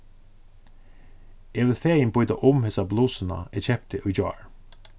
eg vil fegin býta um hesa blusuna eg keypti í gjár